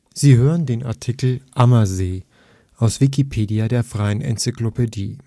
Sie hören den Artikel Ammersee, aus Wikipedia, der freien Enzyklopädie